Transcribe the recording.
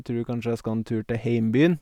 Tror kanskje jeg skal en tur til heimbyen.